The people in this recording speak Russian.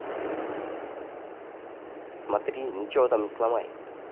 смотри ничего там не сломай